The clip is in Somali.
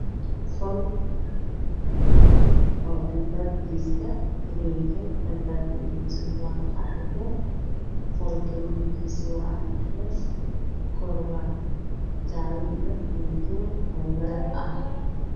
Qol albaabkiisa madow yahay